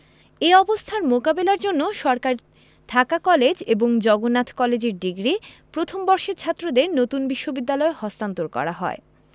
এ অবস্থার মোকাবেলার জন্য সরকারি ঢাকা কলেজ ও জগন্নাথ কলেজের ডিগ্রি প্রথম বর্ষের ছাত্রদের নতুন বিশ্ববিদ্যালয়ে স্থানান্তর করা হয়